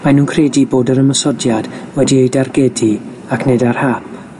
Mae nhw'n credu bod yr ymosodiad wedi ei dargedu ac nid ar hap.